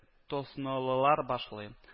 Тоснолылар башлый